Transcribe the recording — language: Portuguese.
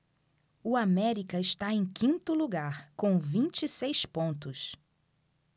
o américa está em quinto lugar com vinte e seis pontos